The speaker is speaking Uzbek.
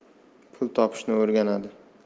pul topishni o'rganadi